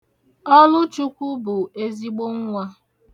Ọlụchukwu bụ ezigbo nwa.